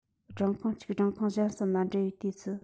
སྦྲང ཁང གཅིག སྦྲང ཁང གཞན གསུམ ལ འབྲེལ བའི དུས སུ